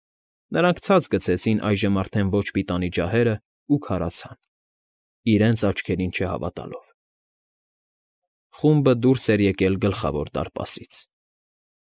Նրանք ցած գցեցին այժմ արդեն ոչ պիտանի ջահերն ու քարացան՝ իրենց աչքերին չհավատալով. խումբը դուրս էր եկել Գլխավոր դարպասից և։